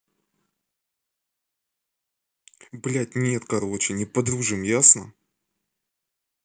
блядь нет короче не подружим ясно